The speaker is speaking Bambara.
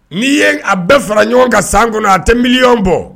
N'i ye a bɛɛ fara ɲɔgɔn kan san kɔnɔ a tɛ miliyɔn bɔ.